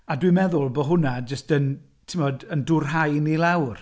A dwi'n meddwl bod hwnna jyst yn, timod, yn dwrhau ni lawr.